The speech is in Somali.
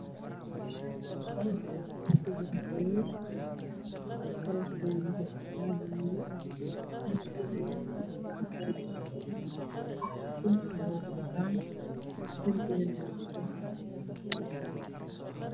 Meshàn waa qol waxaa ku jira sariir kalarkeedu yahay cadan iyo madoow komadiin ayaa dhex yala cadan iyo madoow dhulkuna waa cadan derbigana waa cadees